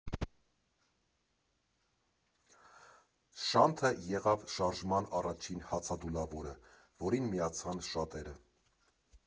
Շանթը եղավ Շարժման առաջին հացադուլավորը, որին միացան շատերը։